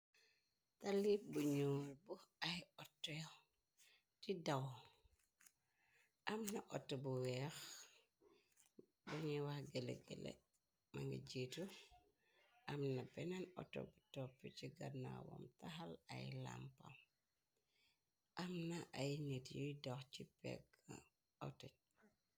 Talib bu ñuul bu am ay oto ti daw amna auto bu weex buñuy wax gëlegele mënga jiitu amna peneen auto bu topp ci gannawam taxal ay lampam amna ay nit yuy dox ci pegg ato.